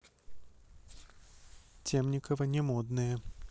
темникова не модные